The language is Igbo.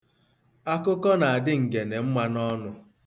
Akụkọ na-adị Ngene mma n'ọnụ.